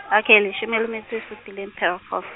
okay leshome le metso e supileng, Pherekgong.